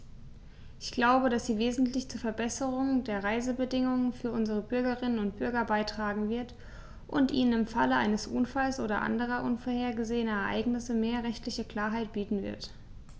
Ich glaube, dass sie wesentlich zur Verbesserung der Reisebedingungen für unsere Bürgerinnen und Bürger beitragen wird, und ihnen im Falle eines Unfalls oder anderer unvorhergesehener Ereignisse mehr rechtliche Klarheit bieten wird.